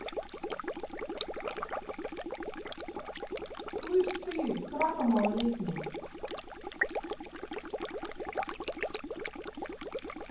слышь ты срака малолетняя